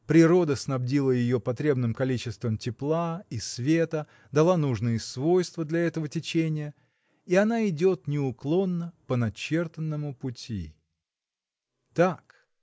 природа снабдила ее потребным количеством тепла и света, дала нужные свойства для этого течения — и она идет неуклонно по начертанному пути. Так.